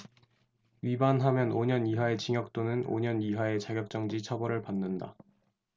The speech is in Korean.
위반하면 오 년 이하의 징역 또는 오 년 이하의 자격정지 처벌을 받는다